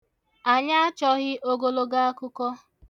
Anyị achọghị ogologo akụkọ